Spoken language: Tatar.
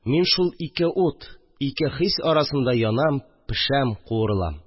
Мин шул ике ут, ике хис арасында янам, пешәм, куырылам